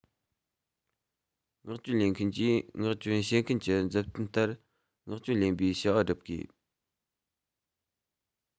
མངགས བཅོལ ལེན མཁན གྱིས མངགས བཅོལ བྱེད མཁན གྱི མཛུབ སྟོན ལྟར མངགས བཅོལ ལེན པའི བྱ བ བསྒྲུབ དགོས